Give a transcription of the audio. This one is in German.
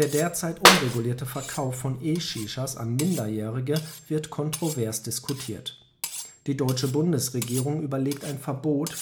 derzeit unregulierte Verkauf von E-Shishas an Minderjährige wird kontrovers diskutiert. Die deutsche Bundesregierung überlegt ein Verbot